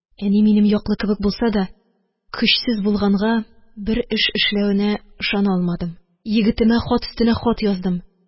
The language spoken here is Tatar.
Әни минем яклы кебек булса да, көчсез булганга, бер эш эшләвенә ышана алмадым. Егетемә хат өстенә хат яздым.